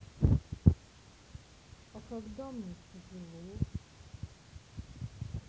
а когда мне тяжело